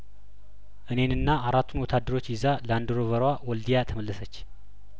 እኔንና አራቱን ወታደሮች ይዛ ላንድሮቨሯ ወልዲያ ተመለሰች